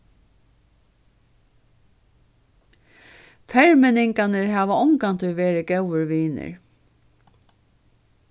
fermenningarnir hava ongantíð verið góðir vinir